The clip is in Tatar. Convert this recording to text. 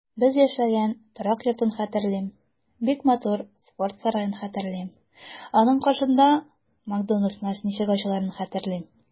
Без яшәгән төрек йортын хәтерлим, бик матур спорт сараен хәтерлим, аның каршында "Макдоналдс"ны ничек ачуларын хәтерлим.